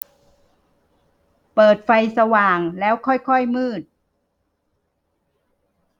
เปิดไฟสว่างแล้วค่อยค่อยมืด